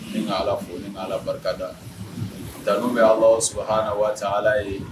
Ni ka ala fo ni ala barikada tan' bɛ ala suha wa ala ye